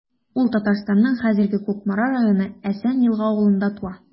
Ул Татарстанның хәзерге Кукмара районы Әсән Елга авылында туа.